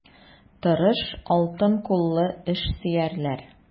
Тырыш, алтын куллы эшсөярләр.